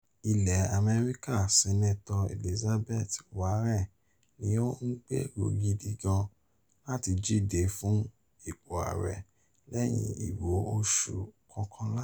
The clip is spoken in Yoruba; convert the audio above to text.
ilẹ̀ Amẹ́ríkà Sínátọ̀ Elizabeth Wareen ní òun “gbèrò gidi gan-an láti díje fún ipò ààrẹ” lẹ́yìn ibò oṣù kọkànlá.